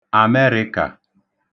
Àmerị̄kà